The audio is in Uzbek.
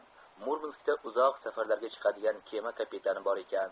murmanskda uzoq safarlarga chiqadigan kema kapitani bor ekan